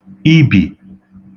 ibì